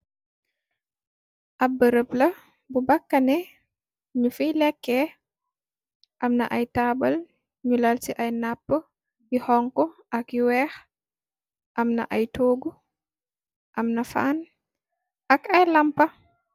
Ab bërëb la bu bakkane nu fiy lekkee. Am na ay taabal ñu lal ci ay napp bi xonk ak yu weex. Am na ay toogu am na faan ak ay lampa.